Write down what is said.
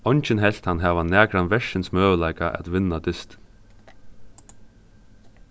eingin helt hann hava nakran verðsins møguleika at vinna dystin